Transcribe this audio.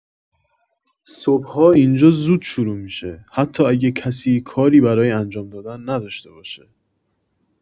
صبح‌ها اینجا زود شروع می‌شه، حتی اگه کسی کاری برای انجام دادن نداشته باشه.